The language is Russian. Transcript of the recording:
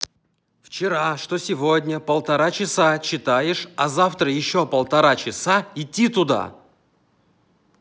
вчера что сегодня полтора часа читаешь а завтра еще полтора часа иди туда